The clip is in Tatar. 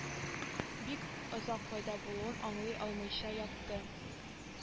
Бик озак кайда булуын аңлый алмыйча ятты